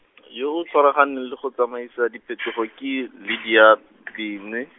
yo o tshwaraganeng le go tsamaisa diphetogo ke Lydia, Bici.